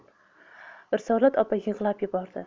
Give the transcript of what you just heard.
risolat opa yig'lab yubordi